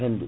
hendu